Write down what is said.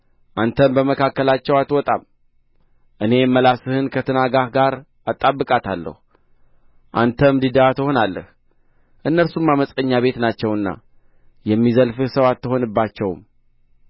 አንተም በመካከላቸው አትወጣም እኔም ምላስህን ከትናጋህ ጋር አጣብቃታለሁ አንተም ዲዳ ትሆናለህ እነርሱም ዓመፀኛ ቤት ናቸውና የሚዘልፍ ሰው አትሆንባቸውም